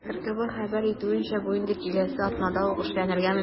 РБК хәбәр итүенчә, бу инде киләсе атнада ук эшләнергә мөмкин.